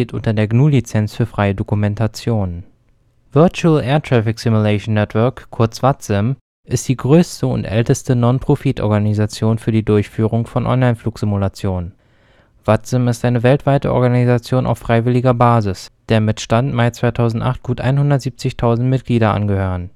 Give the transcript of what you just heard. unter der GNU Lizenz für freie Dokumentation. VATSIM (Virtual Air Traffic Simulation Network) ist die größte und älteste Non-Profit-Organisation für die Durchführung von Online-Flugsimulation. VATSIM ist eine weltweite Organisation auf freiwilliger Basis, der mit Stand Mai 2008 gut 170.000 Mitglieder angehören